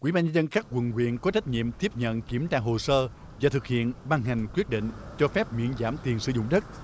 ủy ban nhân dân các quận huyện có trách nhiệm tiếp nhận kiểm tra hồ sơ do thực hiện bằng hành quyết định cho phép miễn giảm tiền sử dụng đất